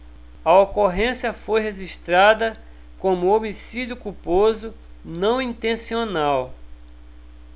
a ocorrência foi registrada como homicídio culposo não intencional